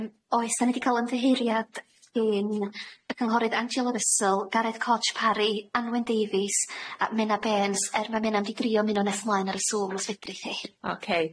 Yym oes da ni di ca'l ymddiheuriad gin y cynghorydd Angela Russell, Gareth Codge Parry, Anwen Davies a Menna Burns er ma' Menna am drio muno nes mlaen ar y sŵn os fedrith i. Oce diolch.